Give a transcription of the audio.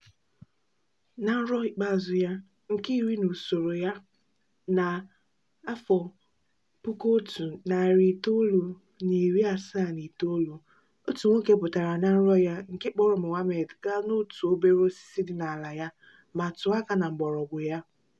Na nrọ ikpeazụ ya, nke iri n'usoro ya na 1979, otu nwoke pụtara na nrọ ya nke kpọọrọ Mohammed gaa n'otu obere osisi dị n'ala ya ma tụọ aka na mgbọrọgwụ ya.